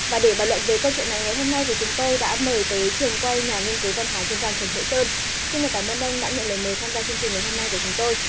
và để bàn luận về câu chuyện này ngày hôm nay thì chúng tôi đã mời tới trường quay nhà nghiên cứu văn hóa dân gian trần hữu sơn xin được cảm ơn ông đã nhận lời mời tham gia chương trình ngày hôm nay của chúng tôi